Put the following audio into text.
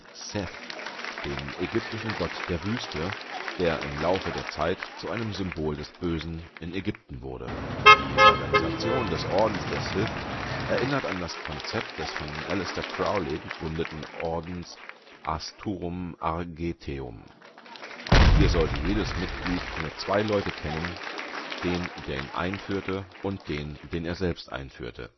Seth, dem ägyptischen Gott der Wüste, der im Laufe der Zeit zu einem Symbol des Bösen in Ägypten wurde. Die Organisation des Ordens der Sith erinnert an das Konzept des von Aleister Crowley gegründeten Ordens Astrum Argenteum, auch hier sollte jedes Mitglied nur zwei Leute kennen, den der ihn einführte und den, den er selbst einführte